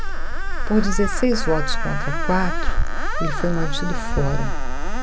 por dezesseis votos contra quatro ele foi mantido fora